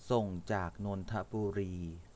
ส่งจากนนทบุรี